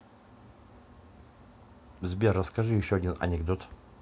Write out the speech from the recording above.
сбер расскажи еще один анекдот